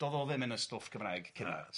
dodd o ddim yn y stwff Cymraeg cynnar...